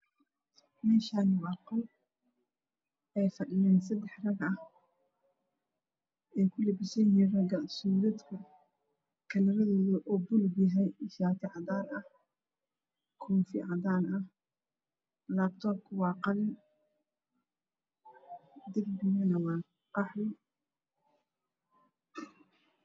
Mashan waa fadhiyo sadax wll dharka eey watan waa baluug iyo cadan iyo madow